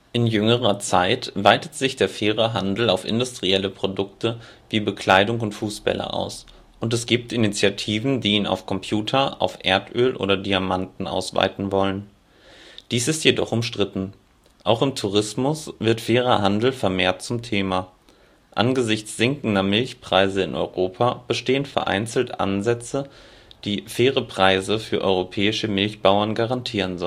In jüngerer Zeit weitet sich der faire Handel auf industrielle Produkte wie Bekleidung und Fußbälle aus, und es gibt Initiativen, die ihn auf Computer, auf Erdöl oder Diamanten (siehe auch: Blutdiamant) ausweiten wollen. Dies ist jedoch umstritten. Auch im Tourismus wird fairer Handel vermehrt zum Thema. Angesichts sinkender Milchpreise in Europa bestehen vereinzelt Ansätze, die „ faire Preise “für europäische Milchbauern garantieren